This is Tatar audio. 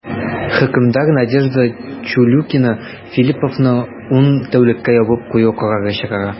Хөкемдар Надежда Чулюкина Филлиповны ун тәүлеккә ябып кую карары чыгара.